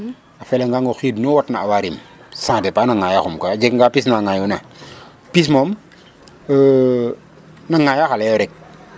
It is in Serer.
A felangang o xiid nu watna awa rim ca dépend no ŋaayooxum koy o jega nga pis na ŋaayoona pis moom na ŋaayax ale yo rek.